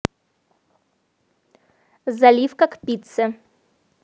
заливка к пицце